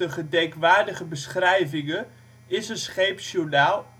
gedenckwaerdige beschrijvinghe is een scheepsjournaal